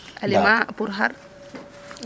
aliment pour xar